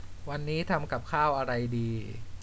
วันนี้ทำกับข้าวอะไรดี